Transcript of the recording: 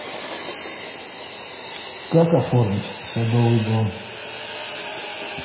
как оформить садовый дом